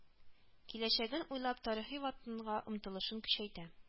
Киләчәген уйлау тарихи ватанга омтылышын көчәйтә